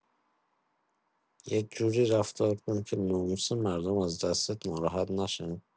یه جوری رفتار کن که ناموس مردم از دستت ناراحت نشن.